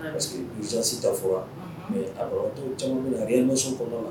Parce que urgence ta fɔ la , unhu, mais a banaba tɔ caaman bɛ yen u bɛ reanimation fana kɔnɔn